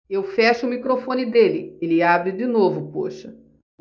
eu fecho o microfone dele ele abre de novo poxa